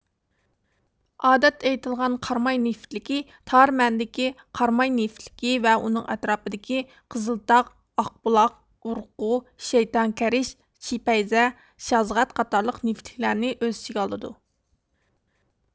ئادەتتە ئېيتىلدىغان قاراماي نېفىتلىكى تار مەنىدە قاراماي نېفىتلىكى ۋە ئۇنىڭ ئەتراپىدىكى قىزىلتاغ ئاقبۇلاق ئۇرقۇ شەيتان كەرش چېپەيزە شازغەت قاتارلىق نېفىتلىكلەرنى ئۆز ئىچىگە ئالىدۇ